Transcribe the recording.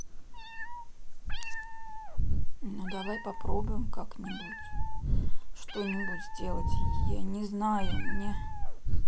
ну давай попробуем как нибудь что нибудь сделать я не знаю мне